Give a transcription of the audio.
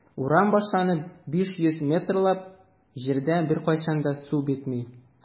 Урам башланып 500 метрлап җирдә беркайчан да су бетми.